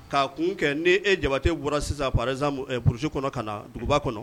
K ka kun kɛ ni' e jabate bɔra sisanz psi kɔnɔ ka na duguba kɔnɔ